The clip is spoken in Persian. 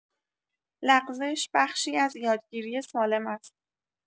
لغزش بخشی از یادگیری سالم است.